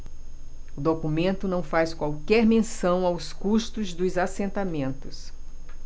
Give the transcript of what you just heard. o documento não faz qualquer menção aos custos dos assentamentos